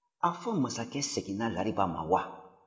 a fɔ masakɛ seginna lariba ma wa